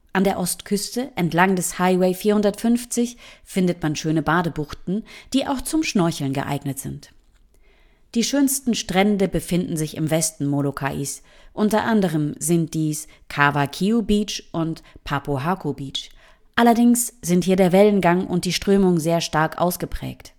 An der Ostküste, entlang des Highway 450, findet man schöne Badebuchten, die auch zum Schnorcheln geeignet sind. Die schönsten Strände befinden sich im Westen Molokaʻis, unter anderem sind dies Kawakiu Beach und Papohaku Beach, allerdings sind hier der Wellengang und die Strömung sehr stark ausgeprägt